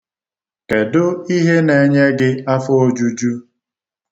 Kedu ihe na-enye gị afoojuju?